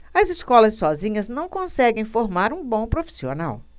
as escolas sozinhas não conseguem formar um bom profissional